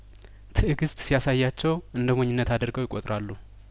ትእግስት ሲያሳያቸው እንደሞኝነት አድርገው ይቆ ጥራሉ